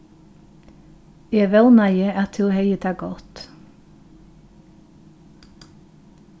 eg vónaði at tú hevði tað gott